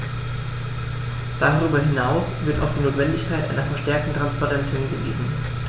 Darüber hinaus wird auf die Notwendigkeit einer verstärkten Transparenz hingewiesen.